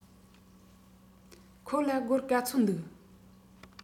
ཁོ ལ སྒོར ག ཚོད འདུག